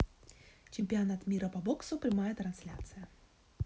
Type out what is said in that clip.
чемпионат мира по боксу прямая трансляция